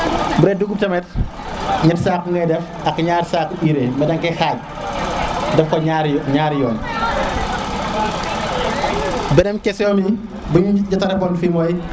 bude dugub tamit ñeti saku ngey def ak niari saku urée mais deng koy xaj def ko ñari ñari yon beneen question biñu jota répondre fi mooy